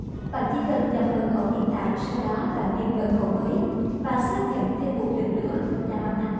bạn chỉ cần nhập mật khẩu hiện tại sau đó bạn điền mật khẩu mới và xác nhận thêm một lần nữa là đã hoàn thành ạ